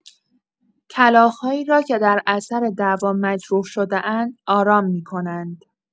کلاغ‌هایی را که در اثر دعوا مجروح شده‌اند، آرام می‌کنند.